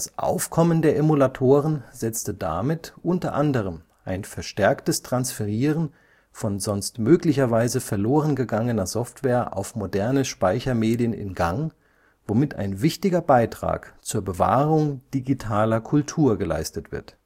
Aufkommen der Emulatoren setzte damit u. a. ein verstärktes Transferieren von sonst möglicherweise verloren gegangener Software auf moderne Speichermedien in Gang, womit ein wichtiger Beitrag zur Bewahrung digitaler Kultur geleistet wird